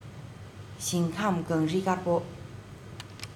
ཞིང ཁམས གངས རི དཀར པོ